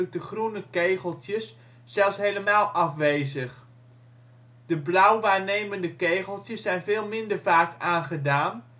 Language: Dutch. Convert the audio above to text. de ' groene ' kegeltjes zelfs helemaal afwezig. De blauw waarnemende kegeltjes zijn veel minder vaak aangedaan